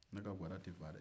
ne ka gwada tɛ faga dɛɛ